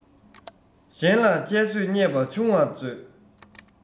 གཞན ལ ཁྱད གསོད བརྙས པ ཆུང བར མཛོད